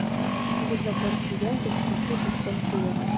Икегез дә пар килгәнсез— котлы булсын туегыз!